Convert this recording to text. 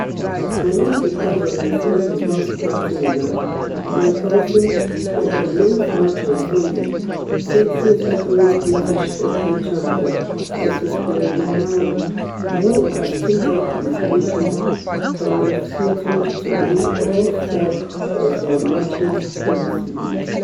And if the course on its own is not daunting enough, Mickelson, in the ninth match on Sunday, faces accurate British Open champion Francesco Molinari, who has teamed up with rookie Tommy Fleetwood to win all four of their matches this week.